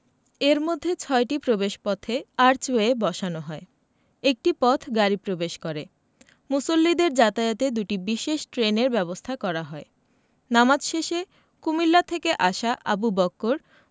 এর মধ্যে ছয়টি প্রবেশপথে আর্চওয়ে বসানো হয় একটি পথ গাড়ি প্রবেশ করে মুসল্লিদের যাতায়াতে দুটি বিশেষ ট্রেনের ব্যবস্থা করা হয় নামাজ শেষে কুমিল্লা থেকে আসা আবু বক্কর